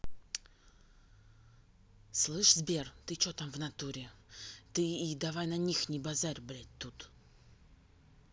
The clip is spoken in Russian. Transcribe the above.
слышь сбер ты че там в натуре ты и давай на них не базарь блядь тут